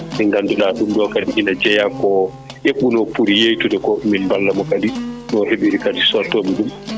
ɗi ngannduɗaa ɗum ɗo kadi ina jeeya ko eɓɓuno pour yeytude ko min ballamo kadi no heeɓiri kadi sottoɓe ɗum